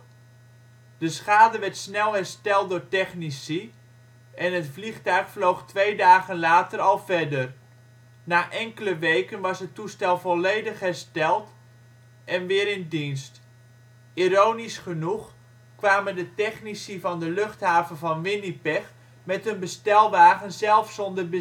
schade werd snel hersteld door technici, en het vliegtuig vloog twee dagen later al verder. Na enkele weken was het toestel volledig hersteld en weer in dienst. Ironisch genoeg kwamen de technici van de luchthaven van Winnipeg met hun bestelwagen zelf zonder